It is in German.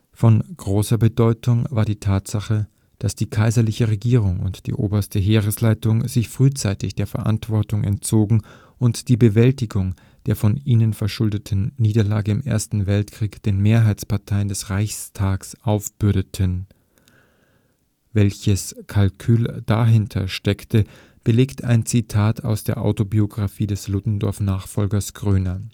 Von großer Bedeutung war die Tatsache, dass die kaiserliche Regierung und die Oberste Heeresleitung sich frühzeitig der Verantwortung entzogen und die Bewältigung der von ihnen verschuldeten Niederlage im Ersten Weltkrieg den Mehrheitsparteien des Reichstags aufbürdeten. Welches Kalkül dahinter steckte, belegt ein Zitat aus der Autobiografie des Ludendorff-Nachfolgers Groener